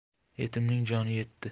yetimning joni yetti